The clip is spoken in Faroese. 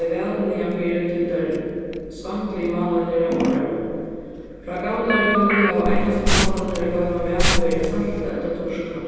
tey væl niðanfyri til teir svangligu mánaðirnar av árinum frá gamlari tíð hava einastu mátarnir at goyma mat verið at salta ella turka